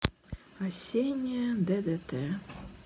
осенняя ддт